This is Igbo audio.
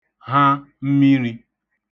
ḣa mmiṙī